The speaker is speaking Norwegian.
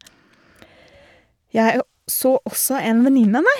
Jeg o så også en venninne av meg.